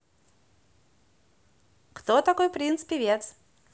кто такой принц певец